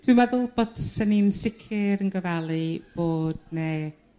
Dwi'n meddwl bod 'sen i'n sicr yn gofalu bod 'ne